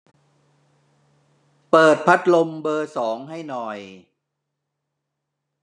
เปิดพัดลมเบอร์สองให้หน่อย